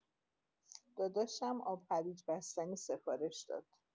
داداشم آب هویچ بستنی سفارش داد.